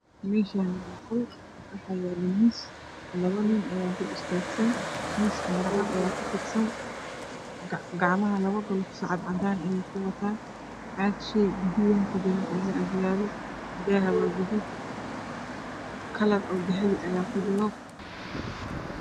Meeshaani waa qol waxaa yaale miis labo nin aya dul istaagsan miiska maro cad ayaa ku fidsan gacamaha labo galoofis cadcadaan ah ayey ku wataan caag shay biyo ku jiraan ayaa agyalo daaha waa gaduud kalar oo dahabi ayaa ku jiro